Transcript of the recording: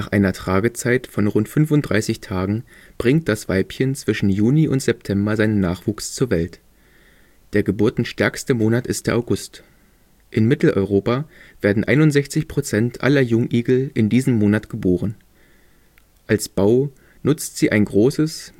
einer Tragezeit von rund 35 Tagen bringt das Weibchen zwischen Juni und September seinen Nachwuchs zur Welt. Der geburtenstärkste Monat ist der August. In Mitteleuropa werden 61 Prozent aller Jungigel in diesem Monat geboren. Als Bau nutzt sie ein großes